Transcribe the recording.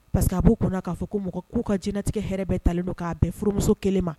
Pa que b' kɔnɔ k'a fɔ ko mɔgɔ k'u ka jinɛtigɛ hɛrɛ bɛɛ talen don k'a bɛɛ fmuso kelen ma